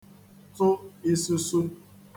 tụ isūsū